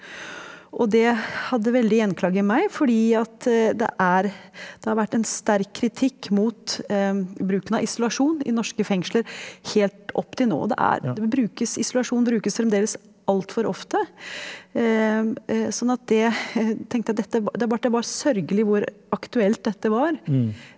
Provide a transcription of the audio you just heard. og det hadde veldig gjenklang i meg fordi at det er det har vært en sterk kritikk mot bruken av isolasjon i norske fengsler helt opp til nå, og det er brukes isolasjon brukes fremdeles alt for ofte sånn at det tenkte at dette det var sørgelig hvor aktuelt dette var.